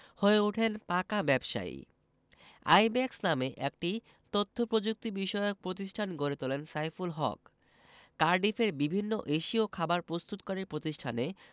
হয়ে ওঠেন পাকা ব্যবসায়ী আইব্যাকস নামে একটি তথ্যপ্রযুক্তিবিষয়ক প্রতিষ্ঠান গড়ে তোলেন সাইফুল হক কার্ডিফের বিভিন্ন এশীয় খাবার প্রস্তুতকারী প্রতিষ্ঠানে